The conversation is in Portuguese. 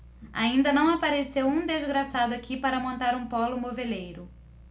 ainda não apareceu um desgraçado aqui para montar um pólo moveleiro